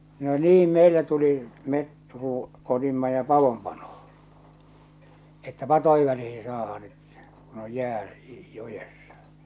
no niin meillä tuli me - otimme ja padon panoon että padoilla niihin saadaan nyt kun on jää joessa